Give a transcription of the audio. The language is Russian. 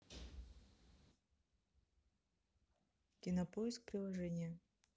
кинопоиск приложение